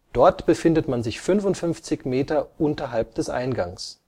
Dort befindet man sich 55 Meter unterhalb des Eingangs